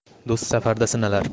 do'st safarda sinalar